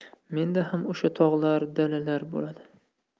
menda ham o'sha tog'lar dalalar bo'ladi